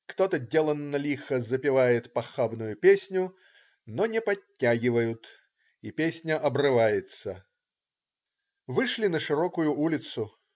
Кто-то деланно-лихо запевает похабную песню, но не подтягивают, и песня обрывается. Вышли на широкую улицу.